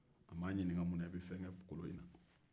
a m'a ɲininka a bɛ fɛn min kɛ kolon in na